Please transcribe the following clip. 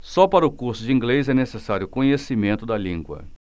só para o curso de inglês é necessário conhecimento da língua